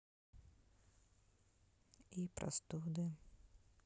и простуды